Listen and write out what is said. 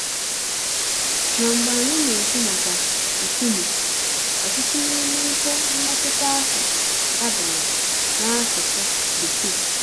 Na mgbe anyị na-ekwu maka Rock, ọtụtụ n'ime ihe mmetụta ahụ dabere n'asụsụ Bekee.